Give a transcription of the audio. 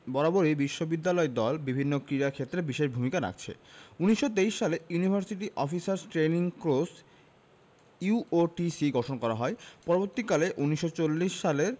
বরাবরই বিশ্ববিদ্যালয় দল বিভিন্ন ক্রীড়াক্ষেত্রে বিশেষ ভূমিকা রাখছে ১৯২৩ সালে university officers training corps UOTC গঠন করা হয় পরবর্তীকালে ১৯৪০ সালের